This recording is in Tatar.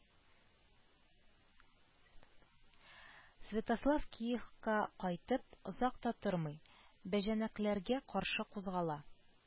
Святослав Киевка кайтып, озак та тормый, бәҗәнәкләргә каршы кузгала